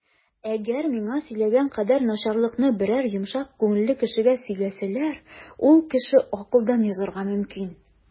Әгәр миңа сөйләгән кадәр начарлыкны берәр йомшак күңелле кешегә сөйләсәләр, ул кеше акылдан язарга мөмкин.